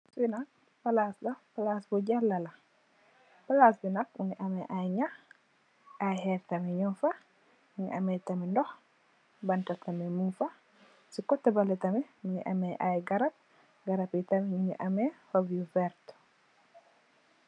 Finak palace la bu jarrle la.palace bi nak mu gi ameh ai nyah ak herr mugi ameh tamit dug banti tamit mugfa si koteh bele tamit munge ameh ai garap, garap nyu tamit munge ameh hop yu verter.